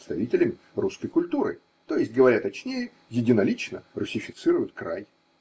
представителями русской культуры, т.е. говоря точнее, единолично руссифицируют край.